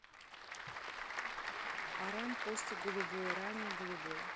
арам костя голубой ранее голубой